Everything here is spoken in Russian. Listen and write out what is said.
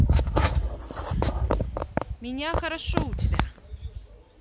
меня хорошо у тебя